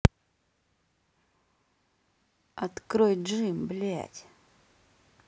открой джим блядь